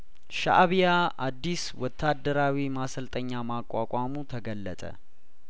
ሻእቢያ አዲስ ወታደራዊ ማሰልጠኛ ማቋቋሙ ተገለጠ